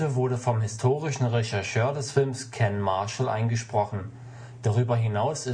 wurde vom historischen Rechercheur des Films, Ken Marshall, eingesprochen. Darüber hinaus